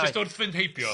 Jyst wrth fynd heibio.